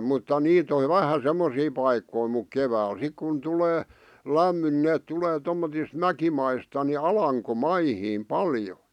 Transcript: mutta niitä on vähän semmoisia paikkoja mutta keväällä sitten kun tulee lämmin niin ne tulee tuommottoon mäkimaista niin alankomaihin paljon